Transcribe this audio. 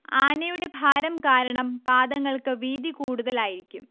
ആനയുടെ ഭാരം കാരണം പാദങ്ങൾക്ക് വീതി കൂടുതലായിരിക്കും